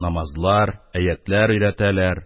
Намазлар, аятьләр өйрәтәләр.